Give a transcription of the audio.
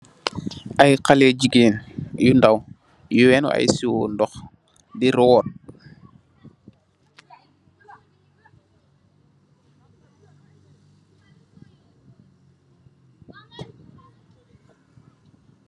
Ay xaleh gigeen yu ndaw, yu éu ay siwo ndox di rot.